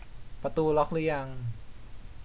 ประตูล็อคหรือยัง